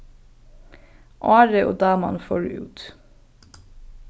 ári og daman fóru út